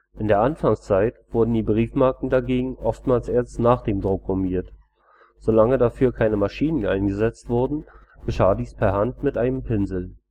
In der Anfangszeit wurden die Briefmarken dagegen oftmals erst nach dem Druck gummiert. Solange dafür keine Maschinen eingesetzt wurden, geschah dies per Hand mit einem Pinsel